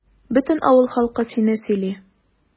Бөтен авыл халкы сине сөйли.